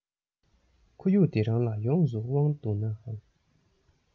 ཁོར ཡུག འདི རང ལ ཡོངས སུ དབང འདུག ནའང